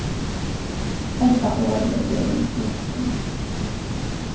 hetta orðið er úr grikskum